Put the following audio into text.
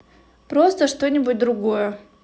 просто что нибудь другое